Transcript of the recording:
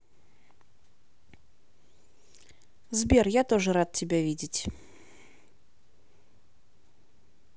сбер я тоже рад тебя видеть